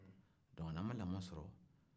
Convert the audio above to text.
donc n'a ma lamɔ sɔrɔ